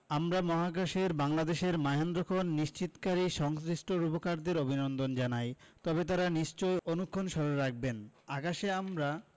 আমরা মহাকাশে বাংলাদেশের মাহেন্দ্রক্ষণ নিশ্চিতকারী সংশ্লিষ্ট রূপকারদের অভিনন্দন জানাই তবে তাঁরা নিশ্চয় অনুক্ষণ স্মরণে রাখবেন আকাশে আমরা